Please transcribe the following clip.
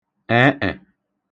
ẹ̀ẹẹ̀